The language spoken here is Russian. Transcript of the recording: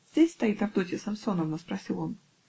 "Здесь стоит Авдотья Самсоновна?" -- спросил он.